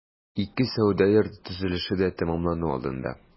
Ике сәүдә йорты төзелеше дә тәмамлану алдында.